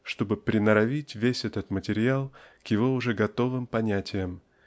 чтобы приноровить весь этот материал к его уже готовым понятиям